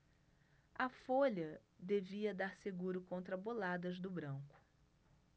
a folha devia dar seguro contra boladas do branco